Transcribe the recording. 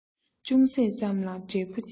ཅུང ཟད ཙམ ལའང འབྲས བུ འབྱིན